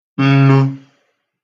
nnu